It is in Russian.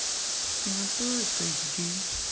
кинопоиск эйч ди